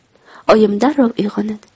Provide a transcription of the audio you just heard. oyim darrov uyg'onadi